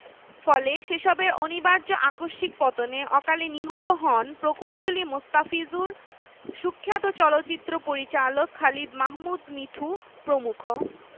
ফলে সে সবের অনিবার্য আকস্মিক পতনে অকালে নিহত হন প্রকৌশলী মোস্তাফিজুর সুখ্যাত চলচ্চিত্র পরিচালক খালিদ মাহমুদ মিঠু প্রমুখ